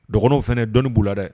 Dɔgɔninw fana dɔnnii b' la dɛ